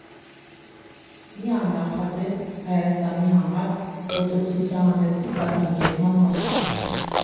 Մի աննախադեպ (Հայաստանի համար) ֆոտոցուցահանդեսի կազմակերպման մասին։